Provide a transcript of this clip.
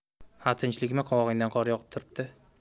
ha tinchlikmi qovog'ingdan qor yog'ib turibdi